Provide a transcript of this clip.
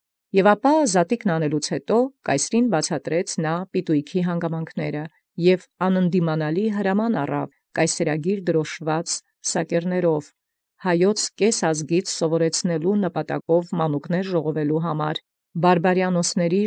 Եւ ապա յետ Պասեքին կատարելոյ՝ ցուցեալ կայսերն զպիտոյիցն զհանգամանս, և առեալ զանընդդիմակաց հրամանն հանդերձ սակերաւք կայսերագիր նշանակելովք՝ վասն մանկտոյն յաշակերտութիւնն առ ի կէս ազգէն Հայոց ժողովելոյ, և վասն։